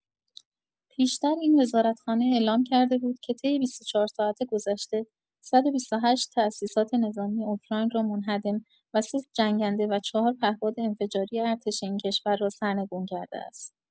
پیشتر این وزارتخانه اعلام کرده بود که طی ۲۴ ساعت گذشته، ۱۲۸ تاسیسات نظامی اوکراین را منهدم و ۳ جنگنده و ۴ پهپاد انفجاری ارتش این کشور را سرنگون کرده است.